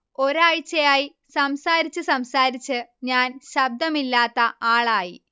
ഒരാഴ്ചയായി സംസാരിച്ച് സംസാരിച്ച് ഞാൻ ശബ്ദമില്ലാത്ത ആളായി